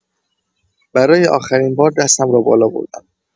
برای آخرین‌بار دستم را بالا بردم.